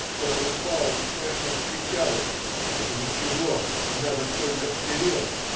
Кто-то упал и страшно закричал. Но это ничего. Надо только вперед.